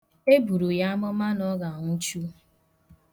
Eburu ya amụma na ọ ga-anwụchu.